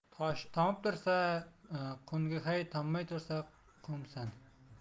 tomib tursa quhngman tommay qolsa quhmsan